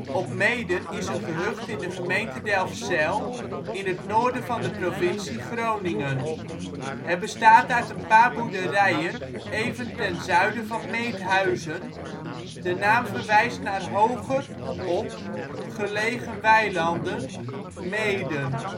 Opmeeden is een gehucht in de gemeente Delfzijl in het noorden van de provincie Groningen. Het bestaat uit een paar boerderijen even ten zuiden van Meedhuizen. De naam verwijst naar hoger (op) gelegen weilanden (meeden